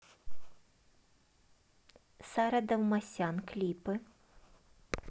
сара довмасян клипы